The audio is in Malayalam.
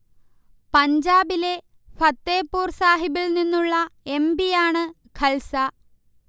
പഞ്ചാബിലെ ഫത്തേപൂർ സാഹിബിൽ നിന്നുള്ള എം. പി. യാണ് ഖൽസ